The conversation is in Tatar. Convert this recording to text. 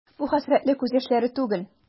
Бу хәсрәтле күз яшьләре түгел.